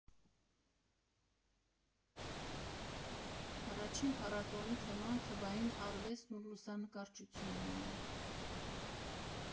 Առաջին փառատոնի թեման թվային արվեստն ու լուսանկարչությունն էին։